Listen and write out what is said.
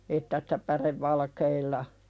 että sitä pärevalkeilla